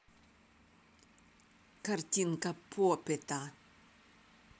картинка попита